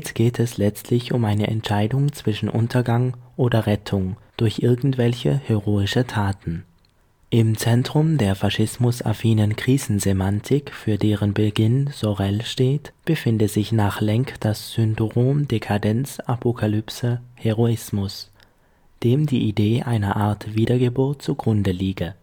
geht es letztlich um eine Entscheidung zwischen Untergang oder Rettung durch irgendwelche heroische Taten. “Im Zentrum der „ faschismus-affinen Krisensemantik, für deren Beginn Sorel steht, “befinde sich nach Lenk „ das Syndrom Dekadenz-Apokalypse-Heroismus, dem die Idee einer Art ‚ Wiedergeburt ‘zugrunde “liege